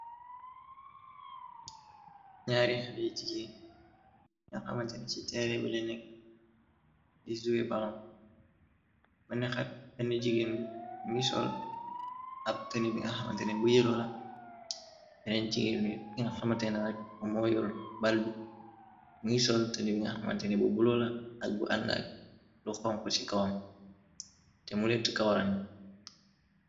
Ñaare ra jiggee, nag xamantene ci teere bile nekk, di zouwe balon, bën nexat ben jigéen bi mungi sool ab tonibi nga xamanteené, bu yëlola, yarenigii nga xamantenerak bamo yor bal bi mungi sool tonibi nga xamantene bu buloola, ak bu àndaak lu xonko, ci kawam te mu lett kawarani.